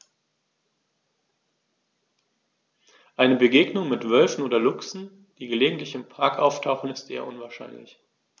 Eine Begegnung mit Wölfen oder Luchsen, die gelegentlich im Park auftauchen, ist eher unwahrscheinlich.